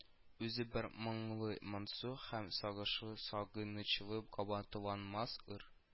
Үзе бер моңлы-моңсу һәм сагышлы-сагынычлы кабатланмас ыр